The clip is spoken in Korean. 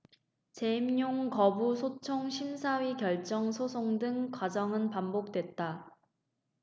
재임용 거부 소청 심사위 결정 소송 등 과정은 반복됐다